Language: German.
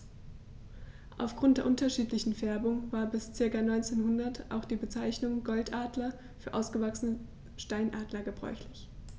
Auf Grund der unterschiedlichen Färbung war bis ca. 1900 auch die Bezeichnung Goldadler für ausgewachsene Steinadler gebräuchlich.